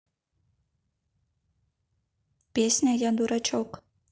песня я дурачок